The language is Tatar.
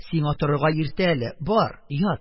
Сиңа торырга иртә әле, бар, ят.